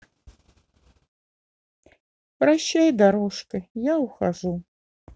прощай дорожка я ухожу